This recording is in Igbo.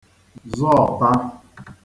zọọta